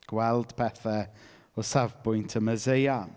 Gweld Pethau o Safbwynt y Meseia.